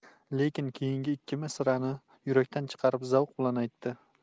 lekin keyingi ikki misrani yurakdan chiqarib zavq bilan aytdi